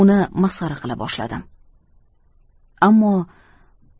uni masxara qila boshladim